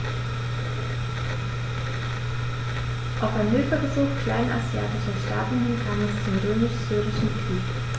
Auf ein Hilfegesuch kleinasiatischer Staaten hin kam es zum Römisch-Syrischen Krieg.